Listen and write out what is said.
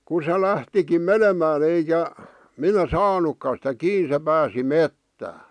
kun se lähtikin menemään eikä minä saanutkaan sitä kiinni se pääsi metsään